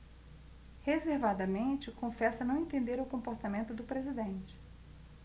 reservadamente confessa não entender o comportamento do presidente